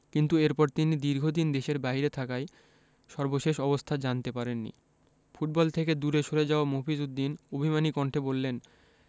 কিন্তু এরপর তিনি দীর্ঘদিন দেশের বাইরে থাকায় সর্বশেষ অবস্থা জানতে পারেননি ফুটবল থেকে দূরে সরে যাওয়া মফিজ উদ্দিন অভিমানী কণ্ঠে বললেন